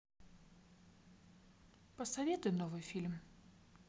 посоветуй новый фильм